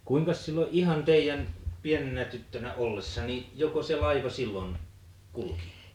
kuinkas silloin ihan teidän pienenä tyttönä ollessa niin joko se laiva silloin kulki